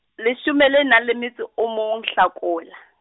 leshome le na le metso o mong Hlakola.